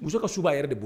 Muso ka suba yɛrɛ de bɔ